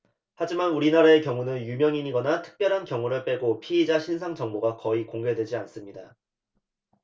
하지만 우리나라의 경우는 유명인이거나 특별한 경우를 빼고 피의자 신상 정보가 거의 공개되지 않습니다